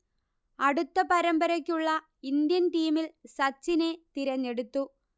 അടുത്ത പരമ്പരക്കുള്ള ഇന്ത്യൻ ടീമിൽ സച്ചിനെ തിരഞ്ഞെടുത്തു